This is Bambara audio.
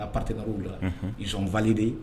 Ka partenaires_ la, unhun, ils ont validé